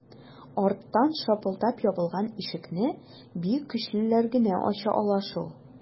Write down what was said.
Арттан шапылдап ябылган ишекне бик көчлеләр генә ача ала шул...